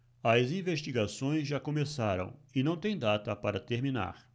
as investigações já começaram e não têm data para terminar